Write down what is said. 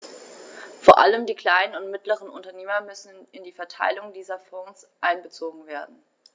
Vor allem die kleinen und mittleren Unternehmer müssen in die Verteilung dieser Fonds einbezogen werden.